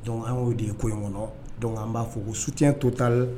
Dɔnku an' de ye ko in kɔnɔ dɔnku an b'a fɔ ko su to t taa la